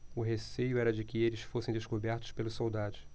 o receio era de que eles fossem descobertos pelos soldados